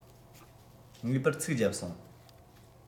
ངེས པར ཚིགས རྒྱབ སོང